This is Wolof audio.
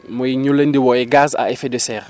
mooy ñu leen di woowee gaz à effet de serre